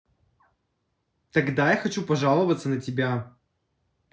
тогда я хочу пожаловаться на тебя